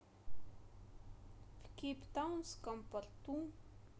в кейптаунском порту